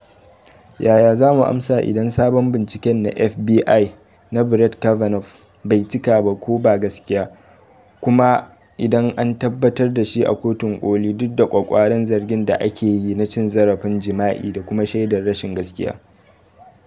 "Yaya za mu amsa idan sabon bincike na binciken F.B.I. na Brett Kavanaugh bai cika ba ko ba gaskiya - ko kuma idan an tabbatar da shi a Kotun Koli duk da kwakwaran zargin da ake yi na cin zarafin jima’i da kuma shaidar rashin gaskiya?